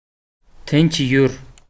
tinch yur